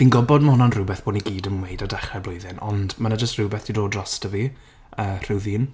Fi'n gwbod ma' hwnna'n rhywbeth bod ni gyd yn weud ar dechrau'r blwyddyn, ond ma' 'na jyst rhywbeth 'di dod drosto fi. Yy, rhyw ddyn.